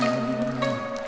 từ